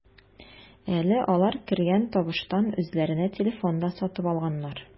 Әле алар кергән табыштан үзләренә телефон да сатып алганнар.